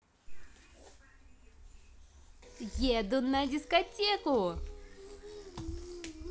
еду на дискотеку